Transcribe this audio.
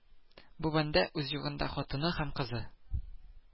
Бу бәндә, үзе югында хатыны һәм кызы